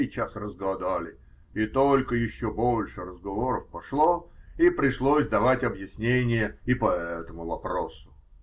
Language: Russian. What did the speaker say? Сейчас разгадали, и только еще больше разговоров пошло и пришлось давать объяснения и по этому вопросу.